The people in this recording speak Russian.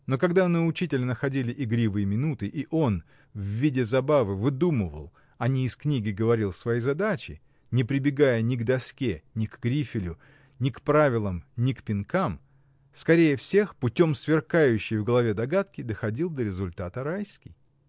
Но когда на учителя находили игривые минуты и он, в виде забавы, выдумывал, а не из книги говорил свои задачи, не прибегая ни к доске, ни к грифелю, ни к правилам, ни к пинкам, — скорее всех, путем сверкающей в голове догадки, доходил до результата Райский.